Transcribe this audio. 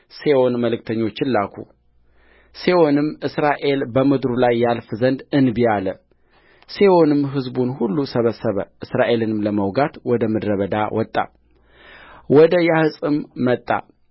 ሴዎን መልእክተኞችን ላኩሴዎንም እስራኤል በምድሩ ላይ ያልፍ ዘንድ እንቢ አለ ሴዎንም ሕዝቡን ሁሉ ሰበሰበ እስራኤልንም ለመውጋት ወደ ምድረ በዳ ወጣ ወደ ያሀጽም መጣ